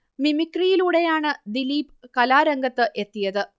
മിമിക്രിയിലൂടെയാണ് ദിലീപ് കലാരംഗത്ത് എത്തിയത്